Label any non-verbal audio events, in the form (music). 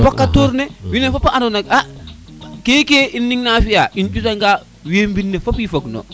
(music) mbokatoor ne wine fop a ando nak a keke ina fiya i ƴuta nga ween mbine fop a fog no